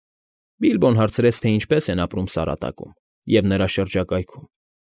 Բիլբոն հարցրեց, թե ինչպես են ապրում Սարատակում և նրա շրջակայքում։